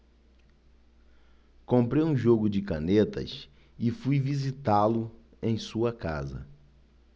comprei um jogo de canetas e fui visitá-lo em sua casa